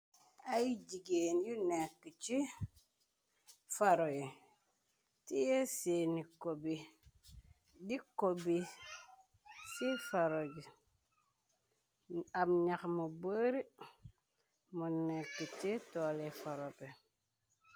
ay jigéen yu nekk ci faroy tiyé seeni ko bi di ko bi ci faro ab ñax mu beri mu nekk ci tolé faropé